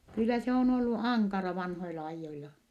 kyllä se on ollut ankara vanhoilla ajoilla